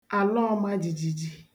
àlọọ̄mājìjìjì